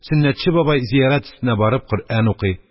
Сөннәтче бабай зиярат өстенә барып Коръән укый,